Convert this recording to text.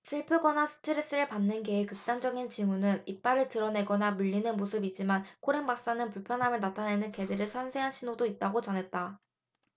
슬프거나 스트레스를 받은 개의 극단적인 징후는 이빨을 드러내거나 물려는 모습이지만 코렌 박사는 불편함을 나타내는 개들의 섬세한 신호도 있다고 전했다